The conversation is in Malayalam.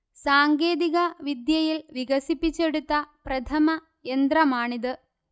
സാങ്കേതികവിദ്യയിൽ വികസിപ്പിച്ചെടുത്ത പ്രഥമ യന്ത്രമാണിത്